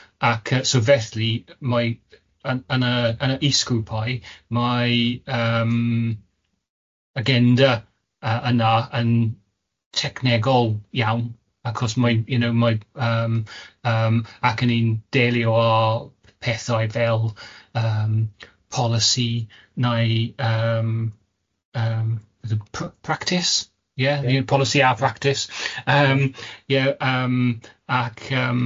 ac yy so felly mae yn yn y yn y is-grwpau mae yym agenda yy yna yn tecnegol iawn achos mae you know mae yym yym ac i ni'n delio â pethau fel yym polisi neu yym yym practice, ie polisi a practice yym ie yym ac yym,